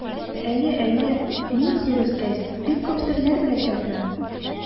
Әйе, әйе, мин, зур үскәч, бик күп серләр беләчәкмен.